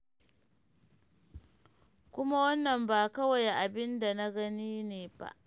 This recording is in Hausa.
Kuma wannan ba kawai abin da na gani ne ba.